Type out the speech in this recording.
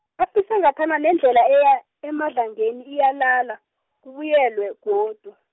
afise ngathana nendlela eya, eMadlangeni iyalala, kubuyelwe godu.